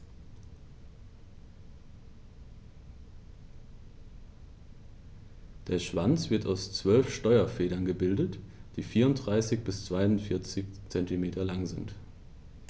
Der Schwanz wird aus 12 Steuerfedern gebildet, die 34 bis 42 cm lang sind.